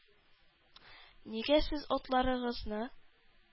-нигә сез атларыгызны